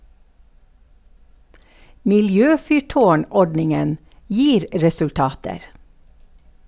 Miljøfyrtårn-ordningen gir resultater.